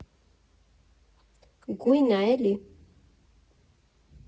Գույն ա էլի։